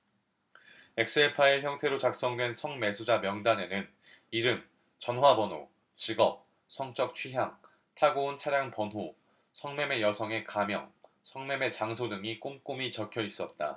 엑셀파일 형태로 작성된 성매수자 명단에는 이름 전화번호 직업 성적 취향 타고 온 차량 번호 성매매 여성의 가명 성매매 장소 등이 꼼꼼히 적혀 있었다